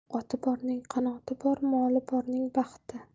oti borning qanoti bor moli borning baxti